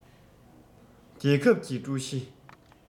རྒྱལ ཁབ ཀྱི ཀྲུའུ ཞི